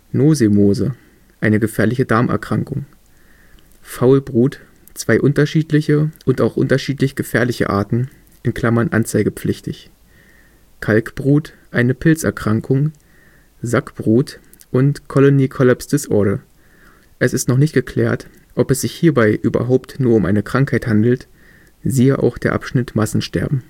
Nosemose – eine gefährliche Darmerkrankung Faulbrut – zwei unterschiedliche und auch unterschiedlich gefährliche Arten (anzeigepflichtig) Kalkbrut – eine Pilzerkrankung Sackbrut Colony Collapse Disorder – es ist noch nicht geklärt, ob es sich hierbei überhaupt nur um eine Krankheit handelt, siehe auch „ Massensterben